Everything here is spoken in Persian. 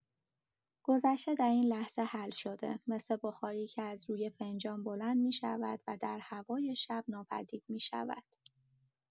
گذشته در این لحظه حل شده، مثل بخاری که از روی فنجان بلند می‌شود و در هوای شب ناپدید می‌شود.